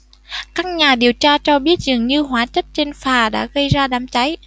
các nhà điều tra cho biết dường như hóa chất trên phà đã gây ra đám cháy